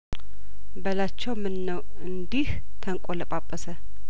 በላቸው ምነው እንዲህ ተንቆለጳጰሰ